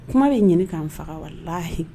Kuma bɛ ɲini k'an faga wala layi